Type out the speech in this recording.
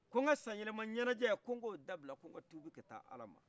ko ŋa sanyɛlɛma ɲɛnɛjɛ ko nko daila ko nka tubi ka taa alama